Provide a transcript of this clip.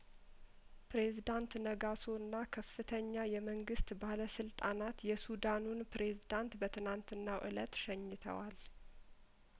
ፕሬዝዳንት ነጋሶ እና ከፍተኛ የመንግስት ባለስልጣናት የሱዳኑን ፕሬዝዳንት በትናትናው እለት ሸኝተዋል